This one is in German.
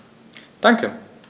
Danke.